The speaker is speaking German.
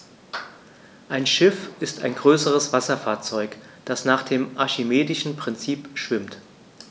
Ein Schiff ist ein größeres Wasserfahrzeug, das nach dem archimedischen Prinzip schwimmt.